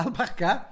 Alpaca?